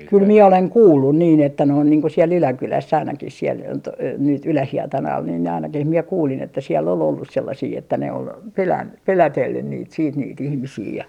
kyllä minä olen kuullut niin että noin niin kuin siellä Yläkylässä ainakin siellä - nyt Ylähietanalla niin ne ainakin minä kuulin että siellä oli ollut sellaisia että ne oli - pelotellut niitä sitten niitä ihmisiä ja